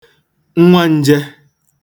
nwann̄jē